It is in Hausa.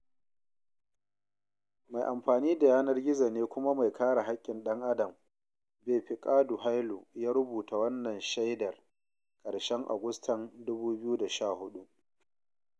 Mai amfani da yanar gizo ne kuma mai kare haƙƙin ɗan-adam Befeqadu Hailu ya rubuta wannan shaidara ƙarshen Agustan 2014.